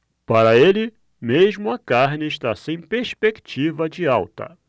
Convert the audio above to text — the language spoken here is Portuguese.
para ele mesmo a carne está sem perspectiva de alta